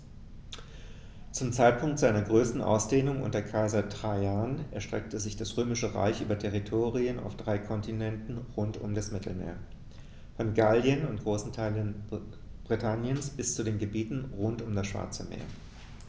Zum Zeitpunkt seiner größten Ausdehnung unter Kaiser Trajan erstreckte sich das Römische Reich über Territorien auf drei Kontinenten rund um das Mittelmeer: Von Gallien und großen Teilen Britanniens bis zu den Gebieten rund um das Schwarze Meer.